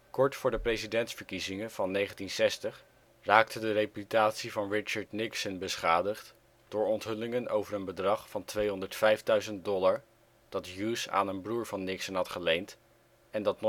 Kort voor de presidentsverkiezingen van 1960 raakte de reputatie van Richard Nixon beschadigd door onthullingen over een bedrag van 205.000 dollar dat Hughes aan een broer van Nixon had geleend en dat